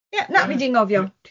Ie, na, fi di'n anghofio.